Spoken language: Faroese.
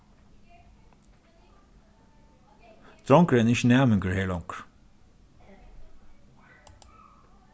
drongurin er ikki næmingur her longur